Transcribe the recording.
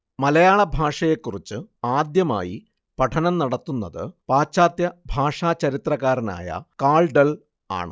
മലയാള ഭാഷയെക്കുറിച്ച് ആദ്യമായി പഠനം നടത്തുന്നത് പാശ്ചാത്യ ഭാഷാ ചരിത്രകാരനായ കാൾഡ്വെൽ ആണ്